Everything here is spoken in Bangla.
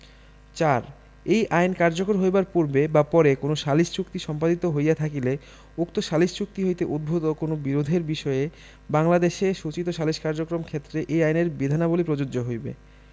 ৪ এই আইন কার্যকর হইবার পূর্বে বা পরে কোন সালিস চুক্তি সম্পাদিত হইয়া থাকিলে উক্ত সালিস চুক্তি হইতে উদ্ভুত কোন বিরোধের বিষয়ে বাংলাদেশে সূচিত সালিস কার্যক্রমের ক্ষেত্রে এই আইনের বিধানাবলী প্রযোজ্য হইবে